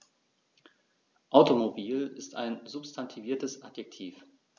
Automobil ist ein substantiviertes Adjektiv.